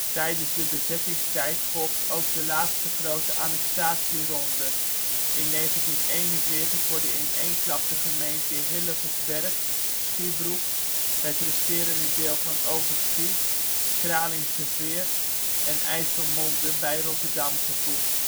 Tijdens de bezettingstijd volgt ook de laatste grote annexatieronde. In 1941 worden in één klap de gemeenten Hillegersberg, Schiebroek, het resterende deel van Overschie, Kralingseveer en IJsselmonde bij Rotterdam gevoegd